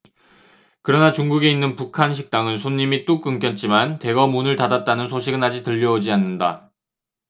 그러나 중국에 있는 북한 식당은 손님이 뚝 끊겼지만 대거 문을 닫았다는 소식은 아직 들려오지 않는다